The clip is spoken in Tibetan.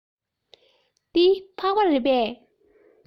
འདི ཕག པ རེད པས